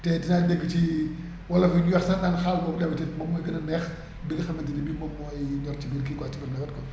te dinaa dégg ci wolof yi di wax sax naan xaal boobu d' habitude moom moo gën a neex bi nga xamante ne bi moom mooy ñor ci biir kii bi quoi ci biir nawet quoi